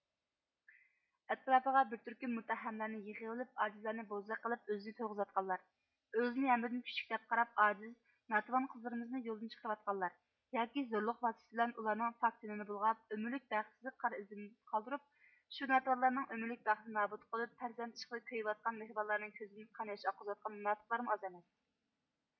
ئەتىراپىغا بىر تۈركۈم مۇتتەھەملەرنى يىغىۋېلىپ ئاجىزلارنى بوزوك قىلىپ ئۆزىنى تويغۇزىۋاتقانلار ئۆزىنى ھەممىدىن كۈچلۈك دەپ قاراپ ئاجىز ناتىۋان قىزلىرىمىزنى يولدىن چىقىرىۋاتقانلار ياكى زورلۇق ۋاستىسى بىلەن ئۇلارنىڭ پاك تىنىنى بۇلغاپ ئۆمۈرلۈك بەختسىزلىك قارا ئىزلىرىنى قالدۇرۇپ شۇ ناتىۋانلارنىڭ ئۆمۈرلۈك بەختىنى نابۇت قىلىپ پەرزەنت ئىشقىدا كۆيۈۋاتقان مىھرىبانلارنىڭ كۆزىدىن قان ياش ئاققۇزىۋاتقان مۇناپىقلارمۇ ئاز ئەمەس